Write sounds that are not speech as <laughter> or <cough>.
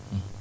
<hesitation> <hesitation>